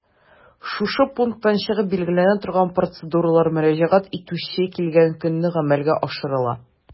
Шушы пункттан чыгып билгеләнә торган процедуралар мөрәҗәгать итүче килгән көнне гамәлгә ашырыла.